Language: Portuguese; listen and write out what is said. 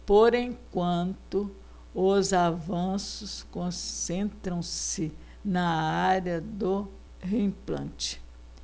por enquanto os avanços concentram-se na área do reimplante